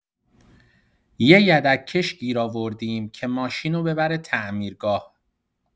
یه یدک‌کش گیر آوردیم که ماشینو ببره تعمیرگاه.